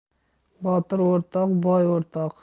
botir o'rtoq boy o'rtoq